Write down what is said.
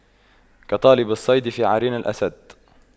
كطالب الصيد في عرين الأسد